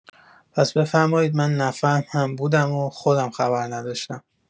پس بفرمایید من نفهم هم بودم و خودم خبر نداشتم.